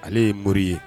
Ale ye nba ye